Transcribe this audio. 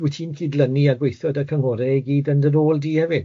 Wyt ti'n cydlynu a gweitho da cynghorau i gyd yn dy rôl di hefyd?